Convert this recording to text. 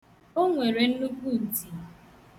O nwere nnukwu ntị.